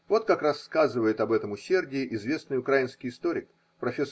Вот как рассказывает об этом усердии известный украинский историк, проф.